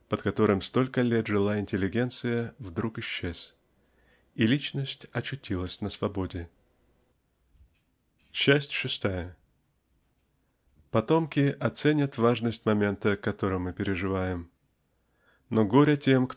под которым Столько лет жила интеллигенция вдруг исчез и личность очутилась на свободе. Часть шестая. Потомки оценят важность момента который мы переживаем но горе тем